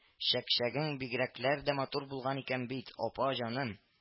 Чәкчәгең бигрәкләр дә матур булган икән бит, апа-җаным